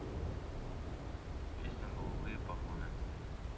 песня голубые погоны